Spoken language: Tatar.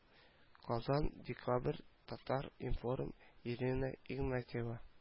-- казан декабрь татар-информ ирина игнатьева